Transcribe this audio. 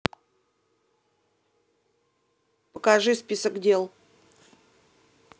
покажи список дел